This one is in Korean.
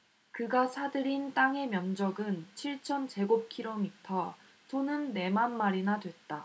그가 사 들인 땅의 면적은 칠천 제곱키로미터 소는 네 만마리나 됐다